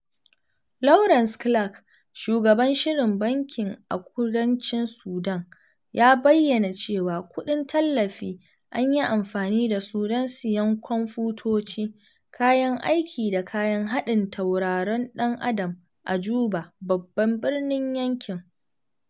Laurence Clarke, shugaban shirin bankin a kudancin Sudan, ya bayyana cewa kuɗin tallafi an yi amfani da su don siyan kwamfutoci, kayan aiki da kayan haɗin tauraron ɗan Adam a Juba, babban birnin yankin.